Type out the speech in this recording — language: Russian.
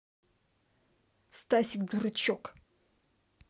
стасик дурачок